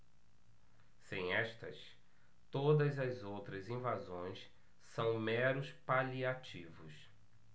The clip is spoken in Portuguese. sem estas todas as outras invasões são meros paliativos